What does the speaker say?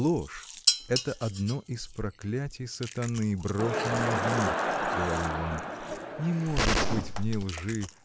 — Ложь — это одно из проклятий сатаны, брошенное в мир. — говорил он. — Не может быть в ней лжи.